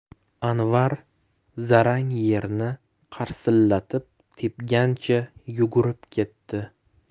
anvar zarang yerni qarsillatib tepgancha yugurib ketdi